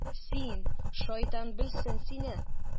Син, шайтан белсен сине...